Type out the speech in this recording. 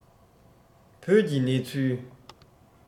བོད ཀྱི གནས ཚུལ